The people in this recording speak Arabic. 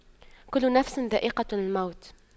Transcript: كُلُّ نَفسٍ ذَائِقَةُ المَوتِ